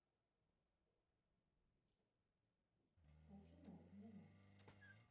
афина отмена